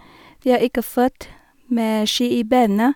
Vi er ikke født med ski i bena.